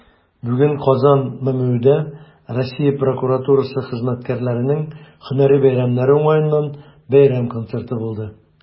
Бүген "Казан" ММҮдә Россия прокуратурасы хезмәткәрләренең һөнәри бәйрәмнәре уңаеннан бәйрәм концерты булды.